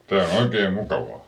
tämä on oikein mukavaa